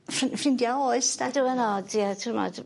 Ffrin- ffrindia oes 'de? On'd yw e'n od ie t'mod